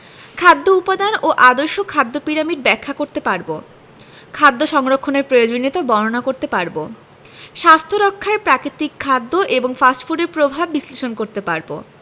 খাদ্য উপাদান ও আদর্শ খাদ্য পিরামিড ব্যাখ্যা করতে পারব খাদ্য সংরক্ষণের প্রয়োজনীয়তা বর্ণনা করতে পারব স্বাস্থ্য রক্ষায় প্রাকৃতিক খাদ্য এবং ফাস্ট ফুডের প্রভাব বিশ্লেষণ করতে পারব